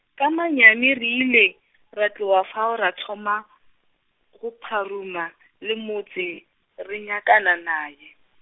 ka manyami re ile, ra tloga fao ra thoma, go pharuma, le motse, re nyakana naye.